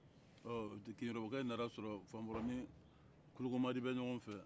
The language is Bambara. ɔ keyorobakaw nan'a sɔrɔ famɔrɔ ni kologomadi bɛ ɲɔgɔn fɛ